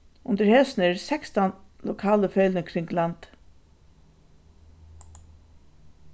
undir hesum eru sekstan lokalu feløgini kring landið